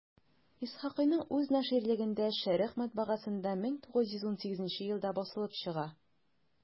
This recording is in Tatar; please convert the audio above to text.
Исхакыйның үз наширлегендә «Шәрекъ» матбагасында 1918 елда басылып чыга.